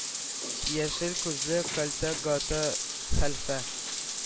Яшел күзле кәлтә гата хәлфә